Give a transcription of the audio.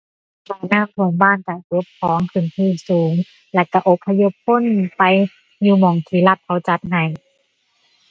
ถ้าน้ำท่วมบ้านก็เก็บของขึ้นที่สูงแล้วก็อพยพคนไปอยู่หม้องที่รัฐเขาจัดให้